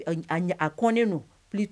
A a ɲa a kɔnnen don plu